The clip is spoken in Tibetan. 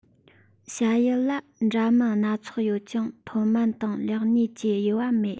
བྱ ཡུལ ལ འདྲ མིན སྣ ཚོགས ཡོད ཀྱང མཐོ དམན དང ལེགས ཉེས ཀྱི དབྱེ བ མེད